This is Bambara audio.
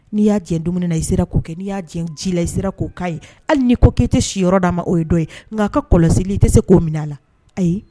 N'i y'a jɛ dumunimin na i sera k' kɛ n'i y'a jɛ jila i sera k'o k'a ye hali n' ko k'i tɛ si yɔrɔ'a ma o ye don ye nka a ka kɔlɔsi i tɛ se k'o mina a la ayi